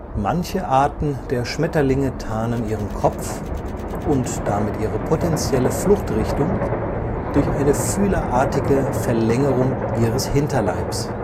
Manche Arten der Schmetterlinge tarnen ihren Kopf (und damit ihre potenzielle Fluchtrichtung) durch eine fühlerartige Verlängerung ihres Hinterleibs